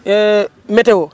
météo